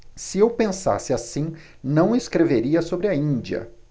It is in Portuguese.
se eu pensasse assim não escreveria sobre a índia